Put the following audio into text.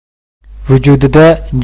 vujudida jon pon